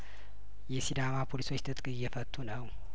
የሲዳማ ፖሊሶች ትጥቅ እየፈቱ ነው